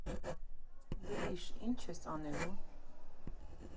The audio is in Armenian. Գրիշ, ի՞նչ ես անելու…